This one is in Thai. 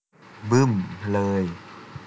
บึ้มเลย